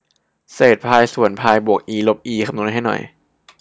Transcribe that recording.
เศษพายส่วนพายบวกอีลบอีคำนวณให้หน่อย